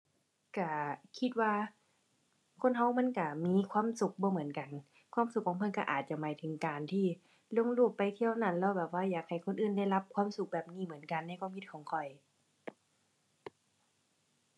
ก็คิดว่า คนก็มันก็มีความสุขบ่เหมือนกัน ความสุขของเพิ่นก็อาจจะหมายถึงการที่ลงรูปไปเที่ยวนั้น แล้วแบบว่าอยากให้คนอื่นได้รับความสุขแบบนี้เหมือนกัน ในความคิดของข้อย